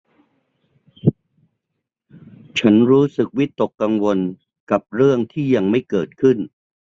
ฉันรู้สึกวิตกกังวลกับเรื่องที่ยังไม่เกิดขึ้น